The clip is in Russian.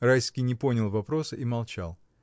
Райский не понял вопроса и молчал.